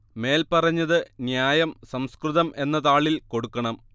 മേൽ പറഞ്ഞത് ന്യായം സംസ്കൃതം എന്ന താളിൽ കൊടുക്കണം